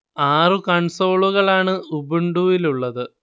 ആറു കൺസോളുകളാണ് ഉബുണ്ടുവിലുള്ളത്